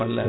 wallay